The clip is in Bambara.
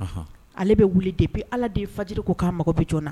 Anhn, ale bɛ wuli depuis Ala den fajiri ko k'a mago bɛ jɔn na